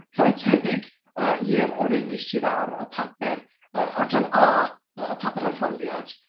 rhai tebyg yy i'r y reiny sydd ar y papur yy Adran A y y papur arholiad.